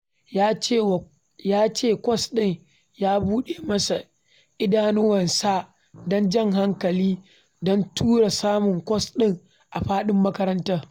Ya ce kwas ɗin ya buɗe masa idanuwansa da jan hankali don tura samun kwas ɗin a faɗin makarantar.